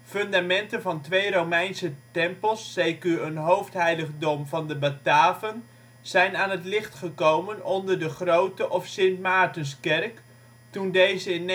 Fundamenten van twee Romeinse tempels c.q. een hoofdheiligdom van de Bataven zijn aan het licht gekomen onder de Grote of St. Maartenskerk, toen deze in